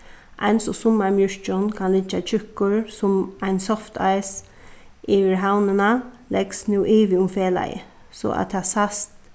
eins og summarmjørkin kann liggja tjúkkur sum ein softice yvir havnina legst nú ivi um felagið so at tað sæst